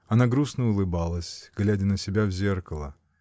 Она грустно улыбалась, глядя на себя в зеркало.